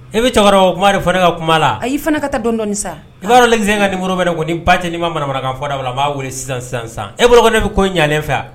E bɛ cɛkɔrɔba o kuma de fɔ ka kuma la a y'i fana ka taa dɔndɔi sa i yɔrɔ la zan ka nin kɔni ni ba tɛ ni ma maramanakan fɔda n b'a weele sisan sisansan e bolo ne bɛ ko ɲalen fɛ